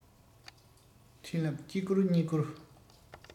འཕྲིན ལབ གཅིག བསྐུར གཉིས བསྐུར